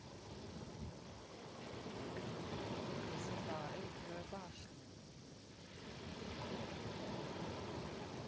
красота эльфовая башня